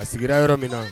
A sigira yɔrɔ min na